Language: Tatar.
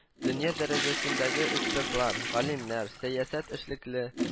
Дөнья дәрәҗәсендәге экспертлар, галимнәр, сәясәт эшлекле